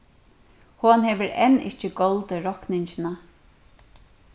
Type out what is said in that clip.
hon hevur enn ikki goldið rokningina